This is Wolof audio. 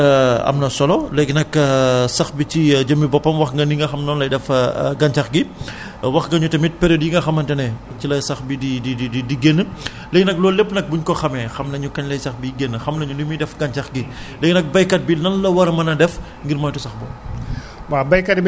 loolu tamit am na solo léegi nag sax bi ci jëmmi boppam wax nga ni nga xam noonu lay def gàncax gi wax nga ñu tamit période yi nga xamante ne ci la sax bi di di di di di génn léegi nag loolu lépp nag buñ ko xamee xam nañu kañ lay sax biy génn xam nañu ni muy def gàncax gi léegi nag baykat bi nan la war a mun a def ngir moytu sax boobu